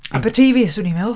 Aberteifi, swn i'n meddwl.